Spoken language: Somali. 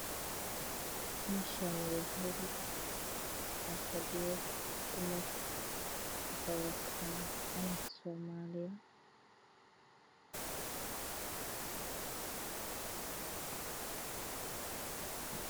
Meeshaani waa hool waxaa fadhiyo gabar waxay wataan calanka soomaliyo